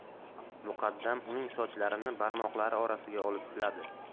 muqaddam uning sochlarini barmoqlari orasiga olib siladi